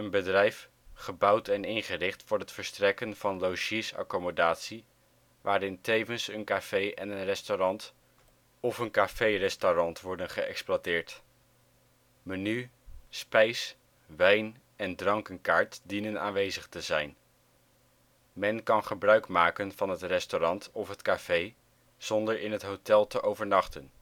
bedrijf, gebouwd en ingericht voor het verstrekken van logies-accommodatie, waarin tevens een café en een restaurant of een café-restaurant worden geëxploiteerd. Menu -, spijs -, wijn - en drankenkaart dienen aanwezig te zijn. Men kan gebruikmaken van het restaurant of het café zonder in het hotel te overnachten